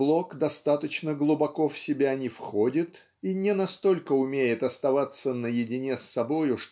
Блок достаточно глубоко в себя не входит и не настолько умеет оставаться наедине с собою